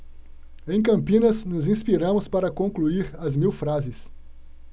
em campinas nos inspiramos para concluir as mil frases